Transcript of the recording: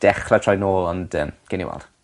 dechre troi nôl ond yym gewn ni weld.